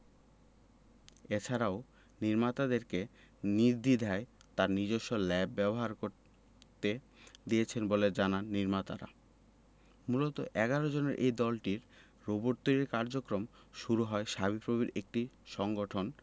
এছাড়াও নির্মাতাদেরকে নির্দ্বিধায় তার নিজস্ব ল্যাব ব্যবহার করতে দিয়েছেন বলে জানান নির্মাতারামূলত ১১ জনের এই দলটির রোবট তৈরির কার্যক্রম শুরু হয় শাবিপ্রবির একটি সংগঠন